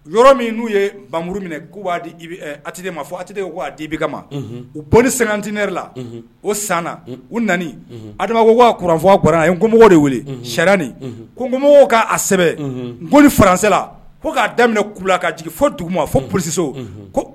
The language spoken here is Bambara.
Yɔrɔ min n'u ye npmuru minɛ di u sɛgɛnt la o san u nan adama ko waa kuranfɛ ye komɔgɔ de wele sɛ ko komɔgɔ k'a sɛbɛ ko ni farankisɛla ko k'a daminɛ kula ka jigin fo dugu ma fɔ psiso